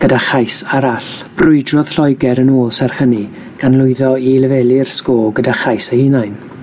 gyda chais arall. Brwydrodd Lloeger yn ôl serch hynny, gan lwyddo i lefelu'r sgôr gyda chais eu hunain.